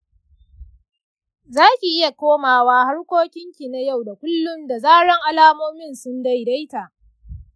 zaki iya komawa harkokinki na yau da kullun da zaran alamomin sun daidaita.